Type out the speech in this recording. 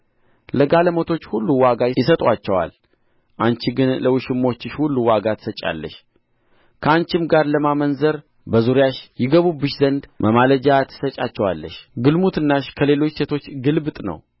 ለጋለሞቶች ሁሉ ዋጋ ይሰጡአቸዋል አንቺ ግን ለውሽሞችሽ ሁሉ ዋጋ ትሰጫለሽ ከአንቺም ጋር ለማመንዘር በዙሪያሽ ይገቡብሽ ዘንድ መማለጃ ትሰጫቸዋለሽ ግልሙትናሽ ከሌሎች ሴቶች ግልብጥ ነው